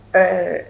Ɛɛ